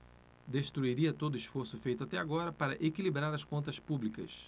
destruiria todo esforço feito até agora para equilibrar as contas públicas